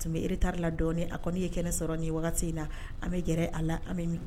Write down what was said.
A tun bɛ retard la dɔni, a kɔni ye kɛnɛ sɔrɔ ni wagati in na, an bɛ gɛr'a la, an bɛ mi